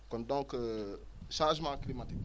kon donc changement climatique